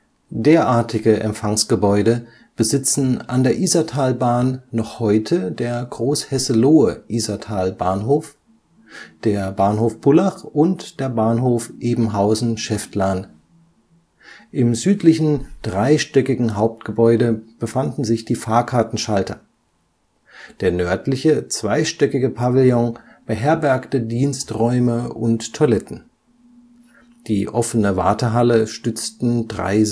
Derartige Empfangsgebäude besitzen an der Isartalbahn noch heute der Großhesselohe Isartalbahnhof, der Bahnhof Pullach und der Bahnhof Ebenhausen-Schäftlarn. Im südlichen, dreistöckigen Hauptgebäude befanden sich die Fahrkartenschalter. Der nördliche, zweistöckige Pavillon beherbergte Diensträume und Toiletten. Die offene Wartehalle stützten drei